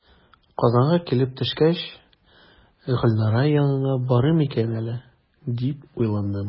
Казанга килеп төшкәч, "Гөлнара янына барыйм микән әллә?", дип уйландым.